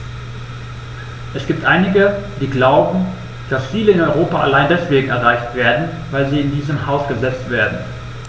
Es gibt einige, die glauben, dass Ziele in Europa allein deswegen erreicht werden, weil sie in diesem Haus gesetzt werden.